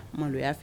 Ma